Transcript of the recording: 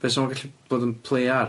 Beth sa fo gallu bod yn play ar?